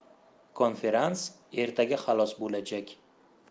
konferans ertaga xalos bo'lajak